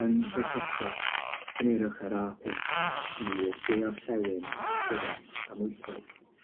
Yng Nghroesoswallt gymerwch yr a pump i'r de-orllewin tuag at Amwythig.